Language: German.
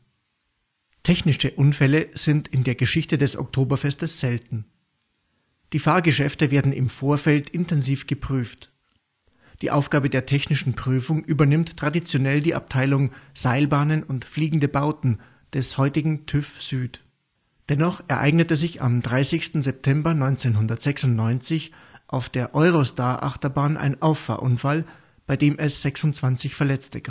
Technische Unfälle sind in der Geschichte des Oktoberfestes selten. Die Fahrgeschäfte werden im Vorfeld intensiv geprüft. Die Aufgabe der technischen Prüfung übernimmt traditionell die Abteilung Seilbahnen und fliegende Bauten des heutigen TÜV Süd. Dennoch ereignete sich am 30. September 1996 auf der Euro-Star-Achterbahn ein Auffahrunfall, bei dem es 26 Verletzte